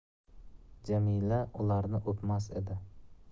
jamila ularni o'pmas edi